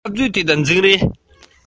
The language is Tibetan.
ཞིམ ཉམས ཀྱིས བཟས རྗེས